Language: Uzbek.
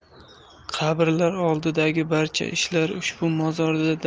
qabrlar oldidagi barcha ishlar ushbu mozorda